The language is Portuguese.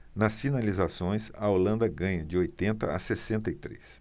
nas finalizações a holanda ganha de oitenta a sessenta e três